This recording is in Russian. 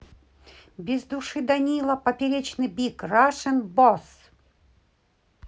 без души данила поперечный big russian boss